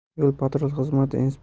yo patrul xizmati